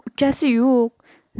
ukasi yo'q